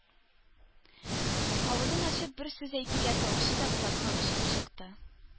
Авызын ачып бер сүз әйтүгә тавышы да Булатка ошап чыкты.